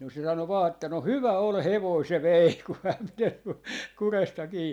no se sanoi vain että no hyvä oli hevonen se vei kun hän piteli kurjesta kiinni